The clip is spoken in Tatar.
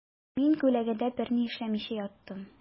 Мин күләгәдә берни эшләмичә яттым.